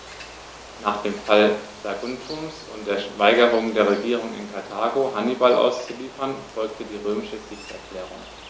Nach dem Fall Saguntums und der Weigerung der Regierung in Karthago, Hannibal auszuliefern, folgte die römische Kriegserklärung.